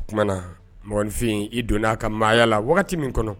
O t tumaumana na minfin i donna'a ka maaya la wagati min kɔnɔ